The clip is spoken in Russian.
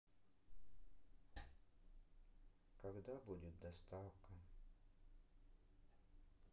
когда будет доставка